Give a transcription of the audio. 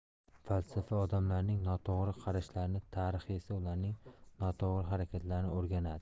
falsafa odamlarning noto'g'ri qarashlarini tarix esa ularning noto'g'ri harakatlarini o'rganadi